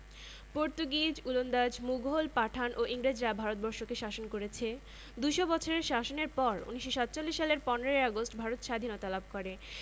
পশ্চিম ও উত্তর দিকে রাশিয়া মঙ্গোলিয়া এবং ভারতের কিছু অংশ এবং দক্ষিনে হিমালয় দেশটির স্থলভাগে এক তৃতীয়াংশের বেশি জুড়ে রয়ছে পাহাড় পর্বত